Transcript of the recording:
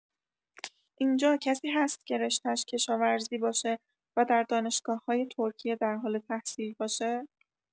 اینجا کسی هست که رشته ش کشاورزی باشه و در دانشگاه‌‌های ترکیه در حال تحصیل باشه؟